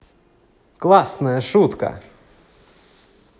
классная шутка